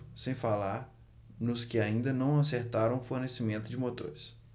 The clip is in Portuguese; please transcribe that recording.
sem falar nos que ainda não acertaram o fornecimento de motores